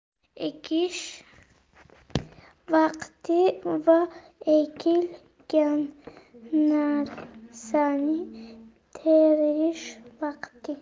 ekish vaqti va ekilgan narsani terish vaqti